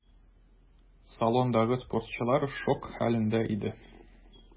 Салондагы спортчылар шок хәлендә иде.